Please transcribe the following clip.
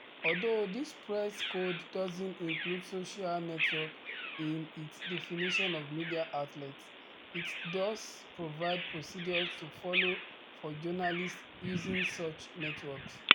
Although this press code doesn’t include social networks in its definition of media outlets, it does provide procedures to follow for journalists using such networks.